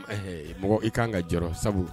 Ɛɛ mɔgɔ i kan ka jara sabu